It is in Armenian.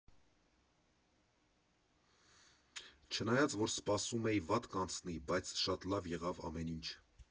Չնայած, որ սպասում էի վատ կանցնի, բայց շատ լավ եղավ ամեն ինչ։